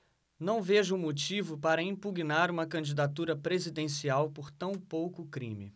não vejo motivo para impugnar uma candidatura presidencial por tão pouco crime